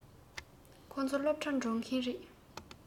ཁོ ཚོ སློབ གྲྭར འགྲོ མཁན རེད